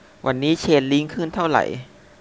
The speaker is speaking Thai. วันนี้เชนลิ้งขึ้นเท่าไหร่